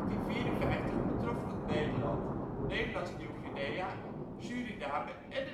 In 1954 betrof dat Nederland, Nederlands Nieuw Guinea, Suriname en